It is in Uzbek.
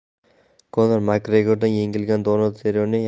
konor makgregordan yengilgan donald serrone